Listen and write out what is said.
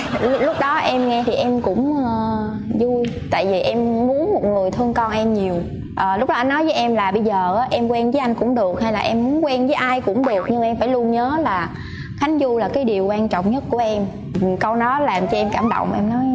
lúc đó em nghe thì em cũng a vui tại vì em muốn một người thương con em nhiều à lúc đó anh nói với em là bây giờ á em quen với anh cũng được hay là em muốn quen với ai cũng được nhưng mà em phải luôn nhớ là khánh du là cái điều quan trọng nhất của em câu đó làm cho em cảm động em nói